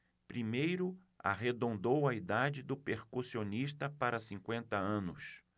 primeiro arredondou a idade do percussionista para cinquenta anos